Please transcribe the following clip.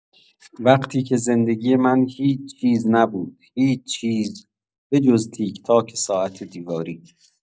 وقتی‌که زندگی من هیچ‌چیز نبود، هیچ‌چیز به‌جز تیک‌تاک ساعت دیواری.